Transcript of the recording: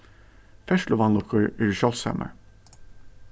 ferðsluvanlukkur eru sjáldsamar